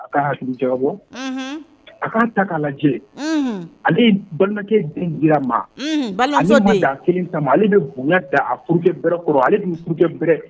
A ka jabɔ a k'an ta k'a lajɛ ale balimakɛ den jira ma ale kelen ta ale bɛ bonya da a bɛrɛ kɔrɔ ale bɛuru bɛrɛ